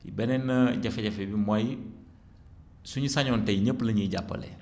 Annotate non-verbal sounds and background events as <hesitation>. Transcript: beneen <hesitation> jafe-jafe bi mooy suñu sañoon tay ñépp la ñuy jàppale